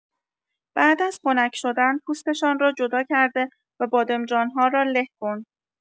بعد از خنک شدن، پوستشان را جدا کرده و بادمجان‌ها را له کن.